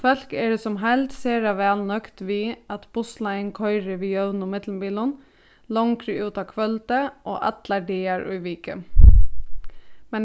fólk eru sum heild sera væl nøgd við at bussleiðin koyrir við jøvnum millumbilum longri út á kvøldið og allar dagar í viku